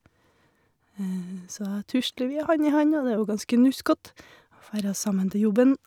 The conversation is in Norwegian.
Så tusler vi hand i hand, og det er jo ganske nuskat å færra sammen til jobben.